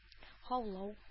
Һаулау